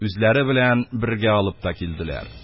Үзләре белән бергә алып та килделәр.